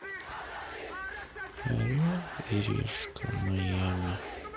орел и решка майами